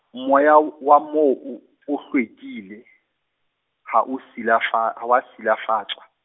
moya w- wa moo o, o hlwekile, ha o silafa-, ha wa silafatswa.